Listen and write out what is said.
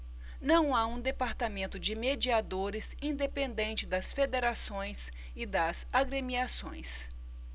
não há um departamento de mediadores independente das federações e das agremiações